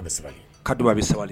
Sabali a bɛ sabali